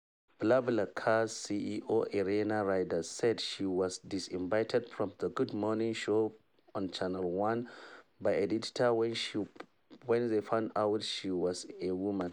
BlaBlaCar’s CEO Irina Reyder said she was disinvited from the Good Morning show on Channel One by the editor when they found out she was a woman.